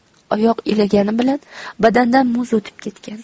oyoq iligani bilan badandan muz o'tib ketgan